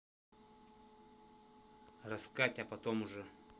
расскать а потом уже